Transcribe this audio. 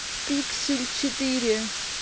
пиксель четыре